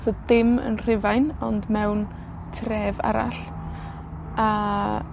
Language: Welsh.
So, dim yn Rhufain, ond mewn tref arall, a